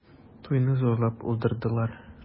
Туйны зурлап уздырдылар.